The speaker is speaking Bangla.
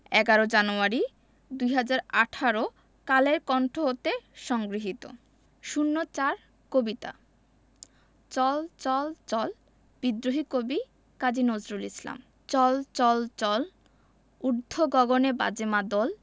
১১ জানুয়ারি ২০১৮ কালের কন্ঠ হতে সংগৃহীত ০৪ কবিতা চল চল চল বিদ্রোহী কবি কাজী নজরুল ইসলাম চল চল চল ঊর্ধ্ব গগনে বাজে মাদল